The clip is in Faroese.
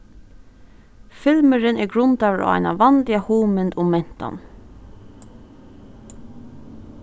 filmurin er grundaður á eina vanliga hugmynd um mentan